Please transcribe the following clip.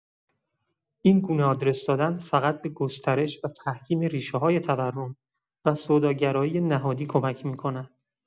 این گونه آدرس دادن فقط به گسترش و تحکیم ریشه‌های تورم وسوداگرایی نهادی کمک می‌کند.